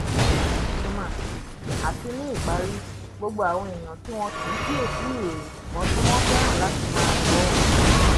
Xuman: Àti ní ìparí, gbogbo àwọn èèyàn tí wọ́n kìí kíyèsí ìròyìn ṣùgbọ́n tí wọ́n fẹ́ràn láti máa gbọ́ orin.